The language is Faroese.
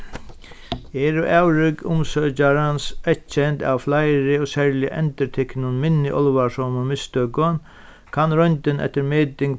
eru umsøkjarans eyðkend av fleiri og serliga endurtiknum minni álvarsomum mistøkum kann royndin eftir meting